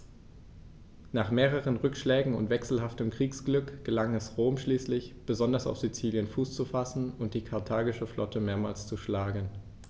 Nach mehreren Rückschlägen und wechselhaftem Kriegsglück gelang es Rom schließlich, besonders auf Sizilien Fuß zu fassen und die karthagische Flotte mehrmals zu schlagen.